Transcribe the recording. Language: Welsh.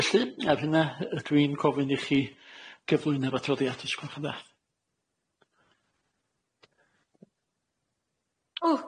Felly ar hynna ydw i'n gofyn i chi gyflwyno'r adroddiad ysgolch yna.